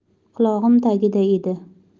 qulog'im tagida edi